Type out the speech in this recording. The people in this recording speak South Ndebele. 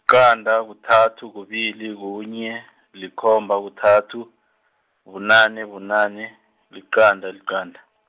qanda, kuthathu, kubili, kunye, likhomba, kuthathu, bunane, bunane, liqanda, liqanda.